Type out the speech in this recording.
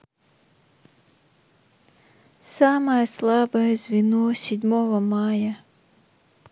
самое слабое звено седьмого мая